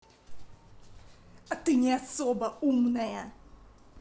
а ты не особо умная